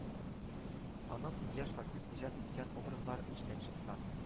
Аннан соң яшь артист иҗат иткән об разлар мичтән чыккан